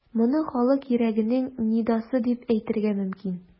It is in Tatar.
Моны халык йөрәгенең нидасы дип әйтергә мөмкин.